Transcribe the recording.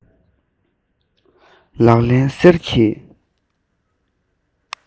ལག ལེན གསེར གྱི